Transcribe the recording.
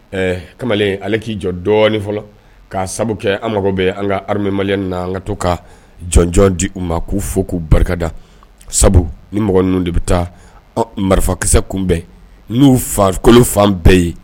Ɛ kamalen ale k'i jɔ dɔɔninɔni fɔlɔ kaa sabu kɛ an mago bɛ an ka halimama na an ka to ka jɔnj di u ma k'u fo k'u barikada sabu ni mɔgɔ ninnu de bɛ taa marifakisɛsɛ kunbɛn n'u farikolokolo fan bɛɛ ye